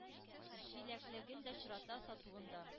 Җиләклеген дә очрата, сатуын да